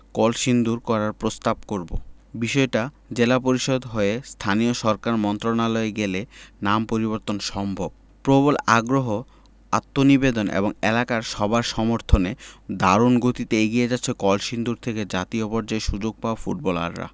কলসিন্দুর করার প্রস্তাব করব বিষয়টা জেলা পরিষদ হয়ে স্থানীয় সরকার মন্ত্রণালয়ে গেলে নাম পরিবর্তন সম্ভব প্রবল আগ্রহ আত্মনিবেদন এবং এলাকার সবার সমর্থনে দারুণ গতিতে এগিয়ে যাচ্ছে কলসিন্দুর থেকে জাতীয় পর্যায়ে সুযোগ পাওয়া ফুটবলাররা